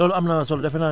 loolu am na solo defe naa